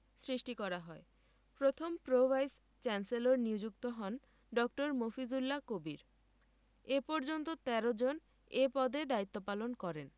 সৃষ্টি করা হয় প্রথম প্রো ভাইস চ্যান্সেলর নিযুক্ত হন ড. মফিজুল্লাহ কবির এ পর্যন্ত ১৩ জন এ পদে দায়িত্বপালন করেন